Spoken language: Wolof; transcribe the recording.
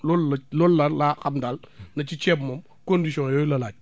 loolu la loolu daal laa xam daal ne ci ceeb moom conditions yooyu la laaj